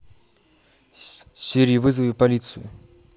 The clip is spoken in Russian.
сири вызови полицию